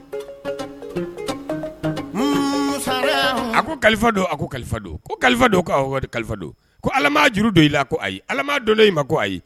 A kalifa don kalifa don ko kalifa do kalifa don juru don i la ko ayi ala don ma ko ayi